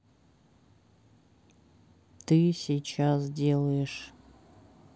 ты сейчас делаешь